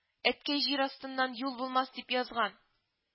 Әткәй, җир астыннан юл булмас, дип язган